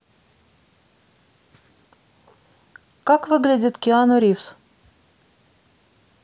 как выглядит киану ривз